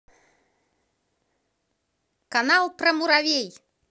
канал про муравей